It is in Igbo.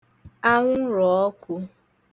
anwụrụ̀ ọkụ̄